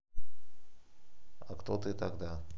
а кто ты тогда